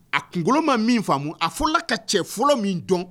A kunkolo ma min faamu a fola ka cɛ fɔlɔ min dɔn